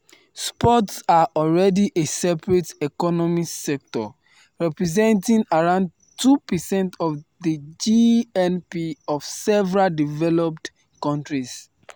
Sports are already a separate economic sector, representing around 2% of the GNP of several developed countries.